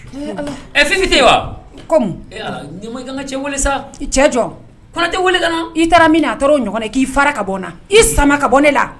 Ɛ tɛ wa komi sa cɛ jɔtɛ i taara min a taara o ɲɔgɔn k'i fara ka bɔ na i sama ka bɔ ne la